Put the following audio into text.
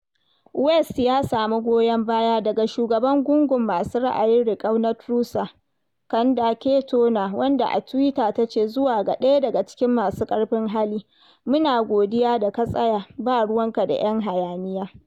West ya sami goyon baya daga shugaban gungun masu ra'ayin riƙau na TRUSA, Candace Turner wanda a Twitter ta ce: Zuwa ga ɗaya daga cikin masu ƙarfin hali: MUNA GODIYA DA KA TSAYA BA RUWANKA DA 'YAN HAYANIYA."